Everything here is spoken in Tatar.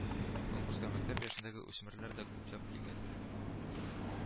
Конкурска мәктәп яшендәге үсмерләр дә күпләп килгән